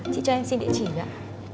chị cho em xin địa chỉ với ạ